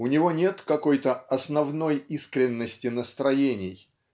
У него нет какой-то основной искренности настроений